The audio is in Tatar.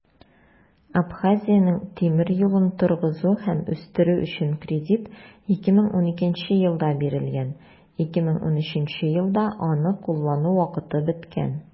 Абхазиянең тимер юлын торгызу һәм үстерү өчен кредит 2012 елда бирелгән, 2013 елда аны куллану вакыты беткән.